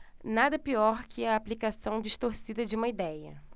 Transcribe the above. nada pior que a aplicação distorcida de uma idéia